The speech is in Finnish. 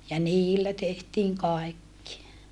ja niillä tehtiin kaikki